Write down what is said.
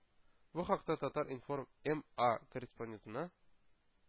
Бу хакта “Татар-информ” эм а корреспондентына